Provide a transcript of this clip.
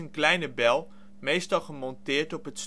kleine bel meestal gemonteerd op het